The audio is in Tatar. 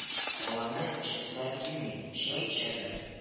— аларның эчәселәре килми, чәй эчәрләр